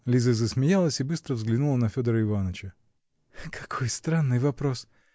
Лиза засмеялась и быстро взглянула на Федора Иваныча. -- Какой странный вопрос!